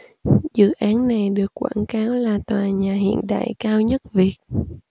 dự án này được quảng cáo là tòa nhà hiện đại cao nhất việt